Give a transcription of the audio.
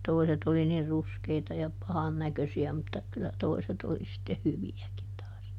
toiset oli niin ruskeita ja pahan näköisiä mutta kyllä toiset oli sitten hyviäkin taas